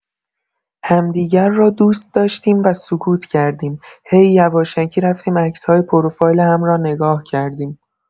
همدیگر را دوست داشتیم و سکوت کردیم، هی یواشکی رفتیم عکس‌های پروفایل هم را نگاه کردیم.